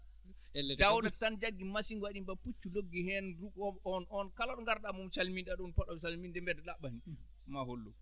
elle tan dawɗo tan jaggi machine waɗi ba puccu loggi heen on on kala ɗo ngarɗaa mum calminɗaa ɗum poɗɗa salminde mbedda ɗaɓɓatmi maa o holluma